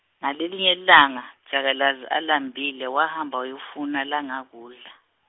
ngalelinye lilanga, jakalazi alambile, wahamba wayofuna langakudla.